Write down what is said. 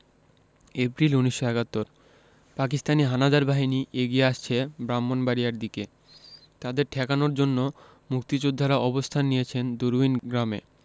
April ১৯৭১ Pakistani হানাদার বাহিনী এগিয়ে আসছে ব্রাহ্মনবাড়িয়ার দিকে তাদের ঠেকানোর জন্য মুক্তিযোদ্ধারা অবস্থান নিয়েছেন দরুইন গ্রামে